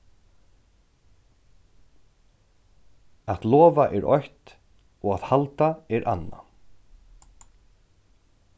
at lova er eitt og at halda er annað